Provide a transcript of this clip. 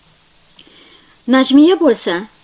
najmiya bo'lsa